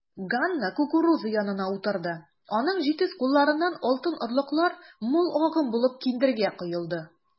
Ганна кукуруза янына утырды, аның җитез кулларыннан алтын орлыклар мул агым булып киндергә коелды.